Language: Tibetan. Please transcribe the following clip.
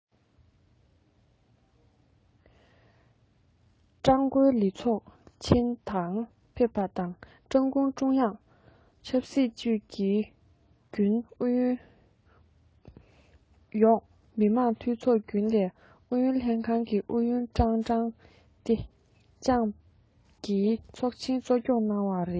ཀྲང ཀའོ ལི ཚོགས ཆེན ལ ཕེབས པ དང ཀྲུང གུང ཀྲུང དབྱང ཆབ སྲིད ཅུས ཀྱི རྒྱུན ཨུ རྒྱལ ཡོངས མི དམངས འཐུས ཚོགས རྒྱུན ལས ཨུ ཡོན ལྷན ཁང གི ཨུ ཡོན ཀྲང ཀྲང ཏེ ཅང གིས ཚོགས ཆེན གཙོ སྐྱོང གནང བ རེད